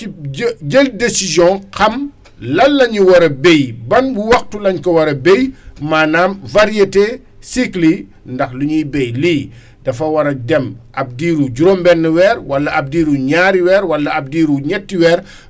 cib jë jël décision xam lan lañu war a béy ban waxtu lañ ko war a béy maanaam variétés cycle yi ndax lu ñuy béy lii dafa war a dem ab diiru juróom-benn weer wala ab diiru ñaari weer wala ab diiru ñetti weer